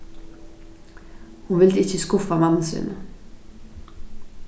hon vildi ikki skuffa mammu sína